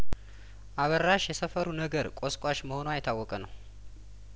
አበራሽ የሰፈሩ ነገር ቆስቋሽ መሆኗ የታወቀ ነው